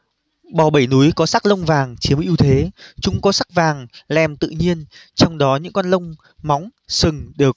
bò bảy núi có sắc lông vàng chiếm ưu thế chúng có sắc vàng lem tự nhiên trong đó những con lông móng sừng đều